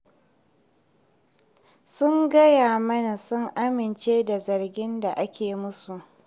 Sun gaya mana sun amince da zargin da ake musu.